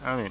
amiin